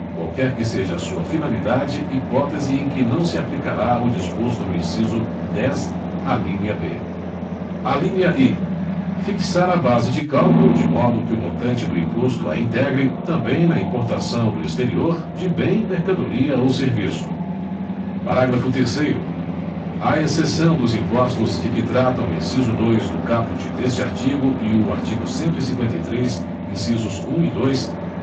qualquer que seja a sua finalidade hipótese em que não se aplicará o disposto no inciso dez alínea b fixar a base de cálculo de modo que o montante do imposto a integre também na importação do exterior de bem mercadoria ou serviço parágrafo terceiro à exceção dos impostos de que tratam o inciso dois do caput deste artigo e o artigo cento e cinquenta e três incisos um e dois